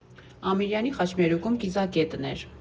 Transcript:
Ամիրյանի խաչմերուկում կիզակետն էր։